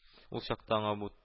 Ул чакта аңа бу